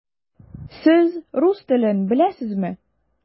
Сез рус телен беләсезме?